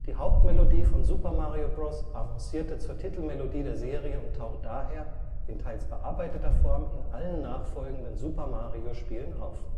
Hauptmelodie von Super Mario Bros. avancierte zur Titelmelodie der Serie und taucht daher in teils bearbeiteter Form in allen nachfolgenden Super-Mario-Spielen auf